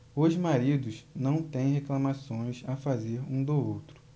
os maridos não têm reclamações a fazer um do outro